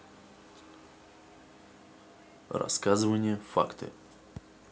рассказывание факты